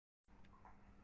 poygachining ko'zi g'ovda